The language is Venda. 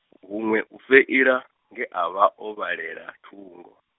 huṅwe u feila, nge a vha o vhalela thungo.